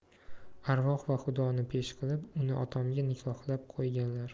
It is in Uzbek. arvoh va xudoni pesh qilib uni otamga nikohlab qo'yganlar